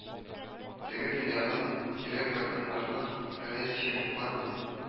Теге дөньядан кире кайтканнарның хәле ничек була